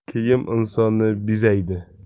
kiyim insonni bezaydi